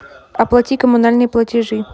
оплати коммунальные платежи